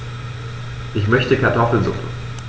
Ich möchte Kartoffelsuppe.